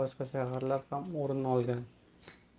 boshqa shaharlar ham o'rin olgan